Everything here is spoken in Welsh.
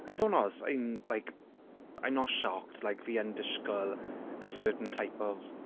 A i fod yn onest I'm like I'm not shocked. Like fi yn disgwyl a certain type of...